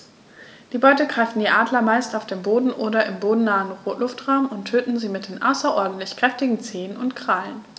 Die Beute greifen die Adler meist auf dem Boden oder im bodennahen Luftraum und töten sie mit den außerordentlich kräftigen Zehen und Krallen.